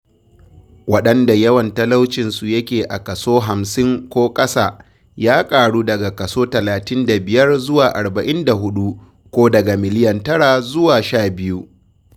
Waɗanda yawan talaucinsu yake a kaso 50% ko ƙasa, ya ƙaru daga kaso 35% zuwa 44% (ko daga miliyan 9 zuwa 12).